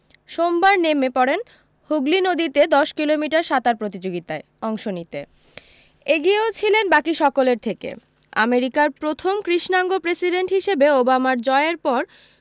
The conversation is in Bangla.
সোমবার নেমে পড়েন হুগলি নদীতে দশ কিলোমিটার সাঁতার প্রতিযোগিতায় অংশ নিতে এগিয়েও ছিলেন বাকী সকলের থেকে আমেরিকার প্রথম কৃষ্ণাঙ্গ প্রেসিডেন্ট হিসাবে ওবামার জয়ের পর